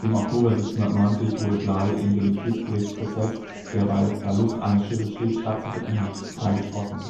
Im Oktober 1790 wurde Bligh in dem Kriegsgerichtsprozess, der bei Verlust eines Schiffes stets stattzufinden hatte, freigesprochen